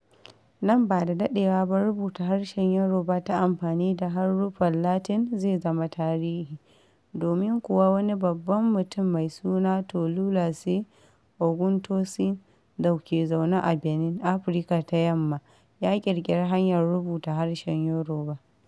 Nan ba da daɗewa ba rubuta harshen Yoruba ta amfani da haruffan Latin zai zama tarihi, domin kuwa wani babban mutum mai suna Tolúlàṣẹ Ògúntósìn da ke zaune a Benin, Afirka ta Yamma ya ƙirƙiri hanyar rubuta harshen Yoruba.